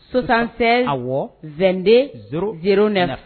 Sosansen a bɔ zde duuru duuru nana na